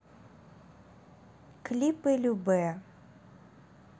клипы любэ